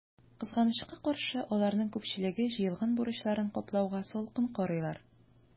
Кызганычка каршы, аларның күпчелеге җыелган бурычларын каплауга салкын карыйлар.